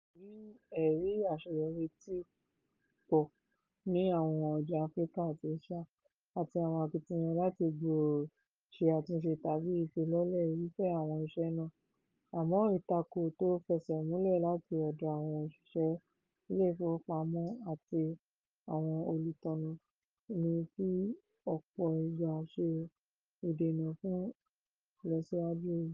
Àwọn ẹ̀rí àṣeyọrí ti pọ̀ ní àwọn ọjà Africa àti Asia, àti àwọn akitiyan láti gboòrò, ṣe àtúnṣe tàbí ìfilọ́lẹ̀ irúfẹ́ àwọn iṣẹ́ náà, àmọ́ ìtakò tó fẹsẹ̀ múlẹ̀ látí ọ̀dọ̀ àwọn òṣìṣẹ́ ílé ìfowópamọ́ àtí àwọn olùtọ̀nà ti fi ọ̀pọ̀ igbà ṣe ìdènà fún ìlọsíwájú yìí.